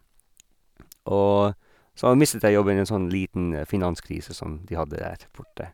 Og så mistet jeg jobben i en sånn liten finanskrise som de hadde der borte.